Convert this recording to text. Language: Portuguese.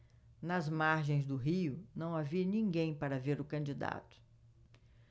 nas margens do rio não havia ninguém para ver o candidato